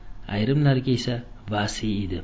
ayrimlariga esa vasiy edi